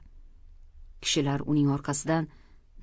kishilar uning orqasidan